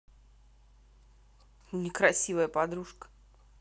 некрасивая подружка